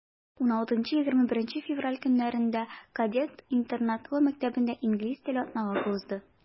16-21 февраль көннәрендә кадет интернатлы мәктәбендә инглиз теле атналыгы узды.